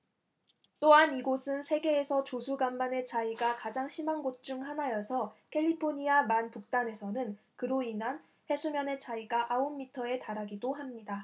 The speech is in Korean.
또한 이곳은 세계에서 조수 간만의 차이가 가장 심한 곳 중 하나여서 캘리포니아 만 북단에서는 그로 인한 해수면의 차이가 아홉 미터에 달하기도 합니다